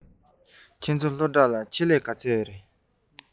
ཁྱོད རང ཚོའི སློབ གྲྭར ཆེད ལས ག ཚོད ཙམ ཡོད ན